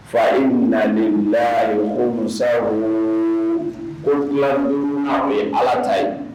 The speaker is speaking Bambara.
Fa in na na ye ko musa kolandon an bɛ ala ta ye